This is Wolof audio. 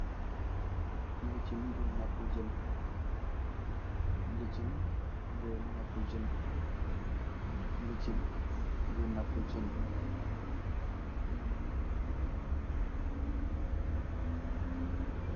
Thiely boye napu jeen, Thiely boye napu jeen, Thiely boye napu jeen.